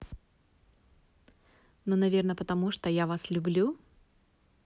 ну наверное потому что я вас люблю